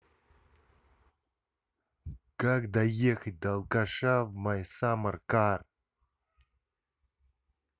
как доехать до алкаша в my summer car